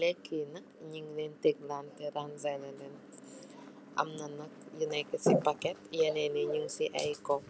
Lenak yi nak nulen ransile amna yu nekasi packet.ye nyu si ai cup